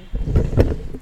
San